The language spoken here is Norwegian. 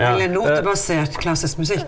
eller notebasert klassisk musikk.